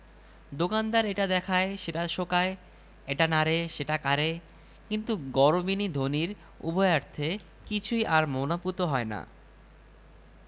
Soviet রাজ্যের বিরুদ্ধে একখানা প্রাণঘাতী কেতাব ছাড়েন প্যারিসের স্তালিনীয়রা তখন লাগল জিদের পেছনে